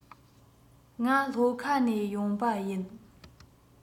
ང ལྷོ ཁ ནས ཡོང པ ཡིན